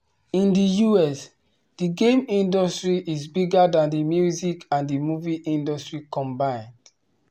In the US, the game industry is bigger than the music and the movie industry combined.